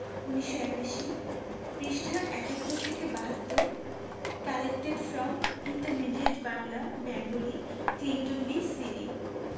১৯৮১ পৃষ্ঠাঃ ৭১ থেকে ৭২ collected from intermediate Bangla Bengali Clinton B Seely